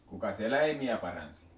kukas eläimiä paransi